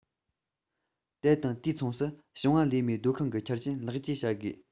དེ དང དུས མཚུངས སུ ཞིང པ ལས མིའི སྡོད ཁང གི ཆ རྐྱེན ལེགས བཅོས བྱ དགོས